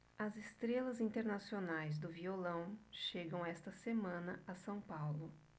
as estrelas internacionais do violão chegam esta semana a são paulo